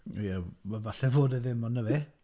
Ie, wel falle fod e ddim ond 'na fe.